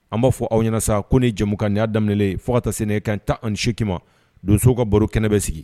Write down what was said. An b'a fɔ aw ɲana sa ko ni ye jɛmukan ni y'a daminɛlen ye fo taa se nɛgɛ kanɲɛ tan ani segin ma donsow ka baro kɛnɛ bɛ sigi